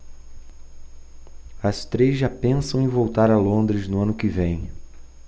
as três já pensam em voltar a londres no ano que vem